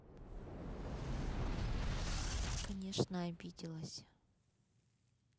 конечно обиделась